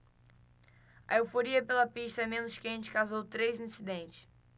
a euforia pela pista menos quente causou três incidentes